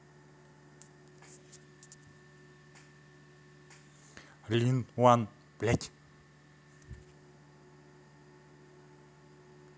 lean on блядь